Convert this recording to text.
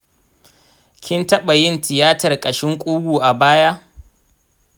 kin taɓa yin tiyatar ƙashin ƙugu a baya?